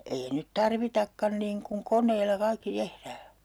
ei nyt tarvitakaan niin kun koneilla kaikki tehdään